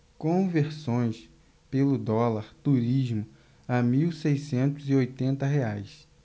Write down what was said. conversões pelo dólar turismo a mil seiscentos e oitenta reais